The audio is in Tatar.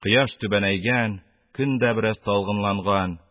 Кояш түбәнәйгән, көн дә бераз талгыланган.